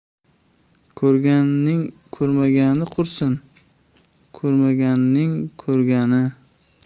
ko'rganning ko'rmagani qursin ko'rmaganning ko'rgani